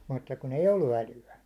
mutta kun ei ollut älyä